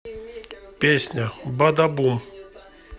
песня бадабум